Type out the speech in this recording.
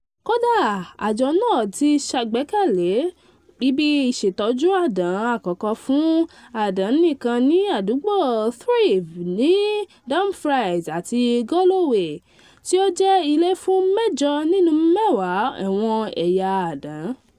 Kódà, Ajọ náà ti ṣàgbékalẹ̀ ibi ìṣètọ́jú àdán àkọ́kọ́ fún àdán nìkan ní àdúgbò Threave ní Dumfries àti Galloway, tí ó jẹ́ ilé fún mẹ́jọ nínú mẹ́wàá àwọn ẹ̀yà àdán.